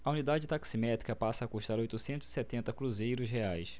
a unidade taximétrica passa a custar oitocentos e setenta cruzeiros reais